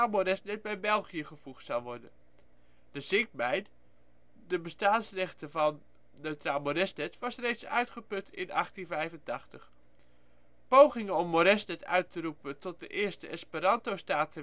Moresnet bij België gevoegd zou worden. De zinkmijn, dé bestaansreden van Neutraal Moresnet, was reeds uitgeput in 1885. Pogingen om Moresnet uit te roepen tot de eerste Esperanto-staat